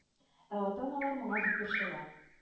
Ә ата-аналар моңа бик борчыла